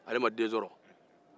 ale ma den sɔrɔ